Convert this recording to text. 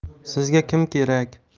sizga kim kerak